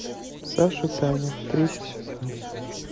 саша таня третий сезон